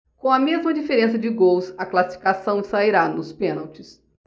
com a mesma diferença de gols a classificação sairá nos pênaltis